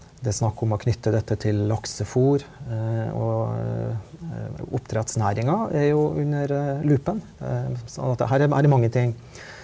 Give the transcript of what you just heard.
det er snakk om å knytte dette til laksefor og oppdrettsnæringa er jo under lupen sånn at her her er mange ting.